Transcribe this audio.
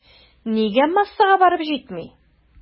Нигә массага барып җитми?